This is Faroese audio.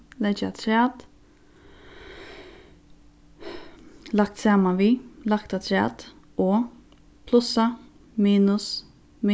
leggja afturat lagt saman við lagt afturat og plussa minus